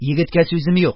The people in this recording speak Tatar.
Егеткә сүзем юк,